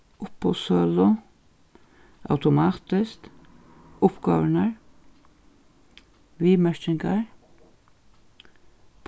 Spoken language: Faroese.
uppboðssølu automatiskt uppgávurnar viðmerkingar